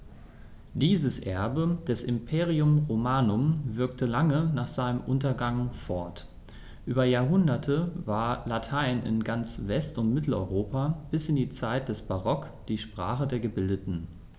Dieses Erbe des Imperium Romanum wirkte lange nach seinem Untergang fort: Über Jahrhunderte war Latein in ganz West- und Mitteleuropa bis in die Zeit des Barock die Sprache der Gebildeten.